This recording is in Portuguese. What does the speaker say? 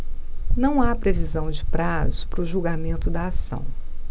não há previsão de prazo para o julgamento da ação